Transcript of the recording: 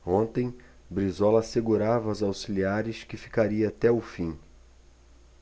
ontem brizola assegurava aos auxiliares que ficaria até o fim